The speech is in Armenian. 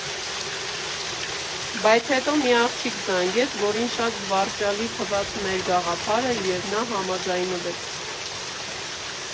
Բայց հետո մի աղջիկ զանգեց, որին շատ զվարճալի թվաց մեր գաղափարը, և նա համաձայնվեց»։